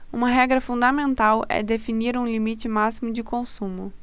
uma regra fundamental é definir um limite máximo de consumo